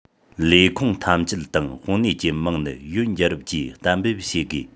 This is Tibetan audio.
ལས ཁུངས ཐམས ཅད དང དཔོན གནས ཀྱི མིང ནི ཡོན རྒྱལ རབས ཀྱིས གཏན འབེབས བྱེད དགོས